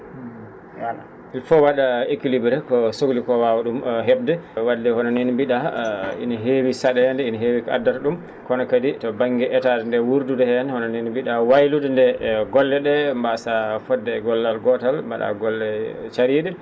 il faut wa?a équilibré ko sohli ko wawa ?um hebde wadde hono ni mbi?a ina heewi sa?eende ina heewi ko addata ?um kono kadi to ba?nge etaade nde wuurdudu heen hono nii no mbi?a waylude nde e golle ?e mbaasa fodde e gollal gootal mba?a golle carii?e